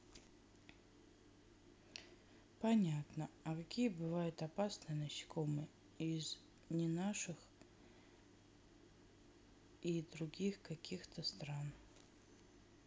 понятно а какие бывают опасные насекомые и из не наших стран и других каких то стран